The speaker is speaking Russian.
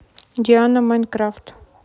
диана майнкрафт